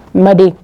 Ma di